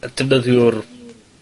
yy defnyddiwr...